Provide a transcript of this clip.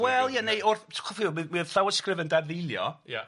Wel ie neu wrth mi o'dd llawysgrifa'n dadfeilio. Ia.